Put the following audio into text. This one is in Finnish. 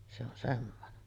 se on semmoinen